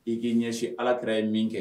I k'i ɲɛsin alakira ye min kɛ